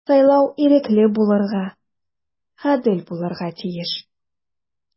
Сайлау ирекле булырга, гадел булырга тиеш.